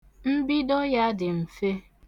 Mbido ya dị mfe.